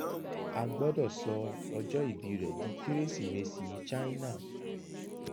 A gbọdọ̀ sọ ọjọ́ ìbíi rẹ̀ di Kérésìmesì China.